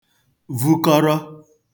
vukọrọ